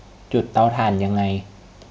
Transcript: จุดเตาถ่านยังไง